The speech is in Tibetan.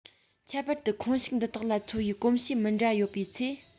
ཁྱད པར དུ ཁོངས ཞུགས འདི དག ལ འཚོ བའི གོམས གཤིས མི འདྲ ཡོད པའི ཚེ